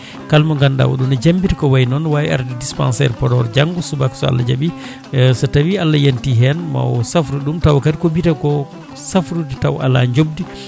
kalmo ganduɗa oɗo ne jambita ko wayi noon ne wawi arde dispensaire Podor janggo soubaka so Allaha jaaɓi so tawi Allah yanti hen mawo safruɗum tawa kadi ko witeko safrude taw ala jobdi